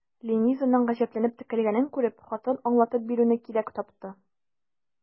Ленизаның гаҗәпләнеп текәлгәнен күреп, хатын аңлатып бирүне кирәк тапты.